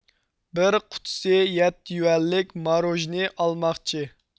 بىر قۇتىسى يەتتە يۈەنلىك ماروژنى ئالماقچى